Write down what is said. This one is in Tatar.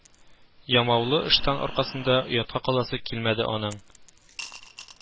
Ямаулы ыштан аркасында оятка каласы килмәде аның